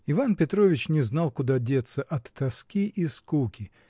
Иван Петрович не знал, куда деться от тоски и скуки